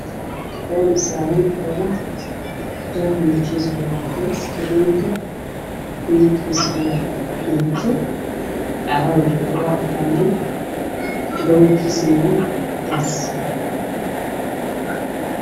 Kareen saaran dhagax qaxwi ah